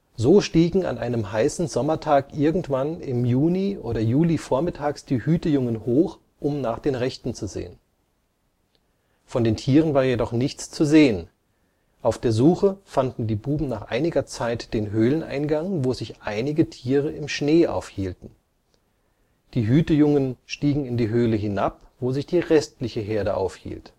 So stiegen an einem heißen Sommertag irgendwann im Juni oder Juli vormittags die Hütejungen hoch, um nach dem Rechten zu sehen. Von den Tieren war jedoch nichts zu sehen. Auf der Suche fanden die Buben nach einiger Zeit den Höhleneingang, wo sich einige Tiere im Schnee aufhielten. Die Hütejungen stiegen in die Höhle hinab, wo sich die restliche Herde aufhielt